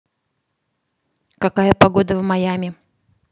какая погода в майами